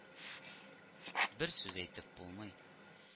Бер сүз әйтеп булмый